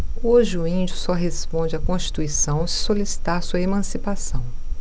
hoje o índio só responde à constituição se solicitar sua emancipação